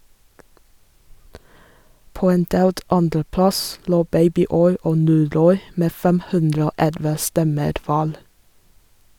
På en delt andreplass lå "Babyoil" og "Noroil" med 511 stemmer hver.